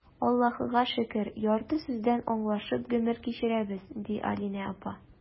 Аллаһыга шөкер, ярты сүздән аңлашып гомер кичерәбез,— ди Алинә апа.